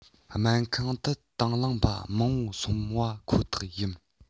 སྨན ཁང དུ དང བླངས པ མང པོ སོང བ ཁོ ཐག ཡིན